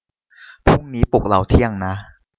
พรุ่งนี้ปลุกเราเที่ยงนะ